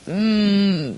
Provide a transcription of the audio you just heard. Hmm.